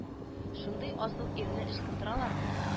Шундый асыл ирне ычкындыралар ди